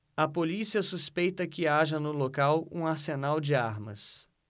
a polícia suspeita que haja no local um arsenal de armas